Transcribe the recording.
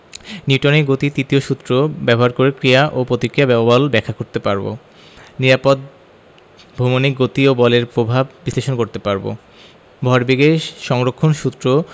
নিউটনের গতির তৃতীয় সূত্র ব্যবহার করে ক্রিয়া ও প্রতিক্রিয়া বল ব্যাখ্যা করতে পারব নিরাপদ ভ্রমণে গতি এবং বলের প্রভাব বিশ্লেষণ করতে পারব ভরবেগের সংরক্ষণ সূত্র